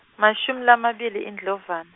mashumi lamabili iNdlovana.